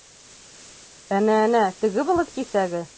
Әнә-әнә, теге болыт кисәге?